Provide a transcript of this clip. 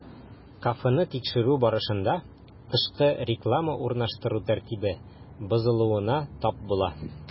Кафены тикшерү барышында, тышкы реклама урнаштыру тәртибе бозылуына тап була.